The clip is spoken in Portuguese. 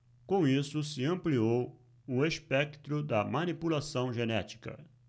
com isso se ampliou o espectro da manipulação genética